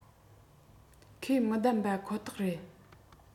ཁོ མི བདམས པ ཁོ ཐག རེད